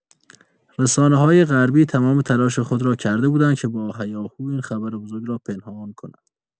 رسانه‌های غربی تمام تلاش خود را کرده بودند که با هیاهو این خبر بزرگ را پنهان کنند.